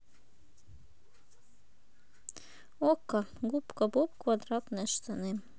окко губка боб квадратные штаны